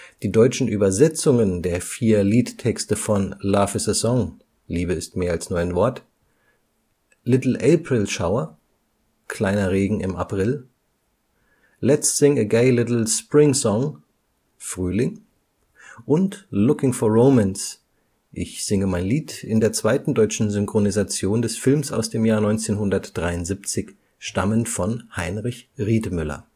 Die deutschen Übersetzungen der vier Liedtexte von Love is a Song (Liebe ist mehr als nur ein Wort), Little April Shower (Kleiner Regen im April), Let’ s sing a gay little Spring Song (Frühling) und Looking for Romance (Ich singe mein Lied) in der zweiten deutschen Synchronisation des Films aus dem Jahr 1973 stammen von Heinrich Riethmüller